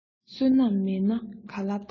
བསོད ནམས མེད ན ག ལ རྟག